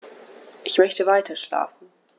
Ich möchte weiterschlafen.